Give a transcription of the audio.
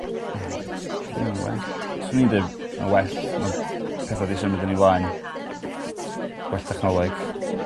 mm well swn i'n deud mae well ma'n petha 'di symud yn 'u flaen. Well technoleg.